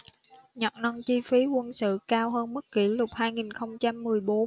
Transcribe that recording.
nhật nâng chi phí quân sự cao hơn mức kỷ lục hai nghìn không trăm mười bốn